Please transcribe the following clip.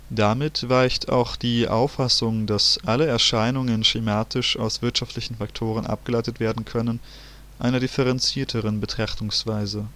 Damit weicht auch die Auffassung, dass alle Erscheinungen schematisch aus wirtschaftlichen Faktoren abgeleitet werden können („ Ökonomismus “), einer differenzierteren Betrachtungsweise